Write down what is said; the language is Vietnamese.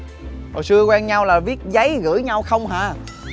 hồi xưa quen nhau là viết giấy gửi nhau không à